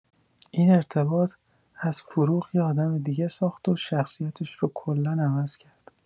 این ارتباط، از فروغ یه آدم دیگه ساخت و شخصیتش رو کلا عوض کرد.